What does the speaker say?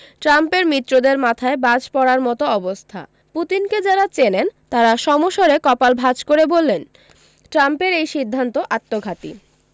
ট্রাম্পের মিত্রদের মাথায় বাজ পড়ার মতো অবস্থা পুতিনকে যাঁরা চেনেন তাঁরা সমস্বরে কপাল ভাঁজ করে বললেন ট্রাম্পের এই সিদ্ধান্ত আত্মঘাতী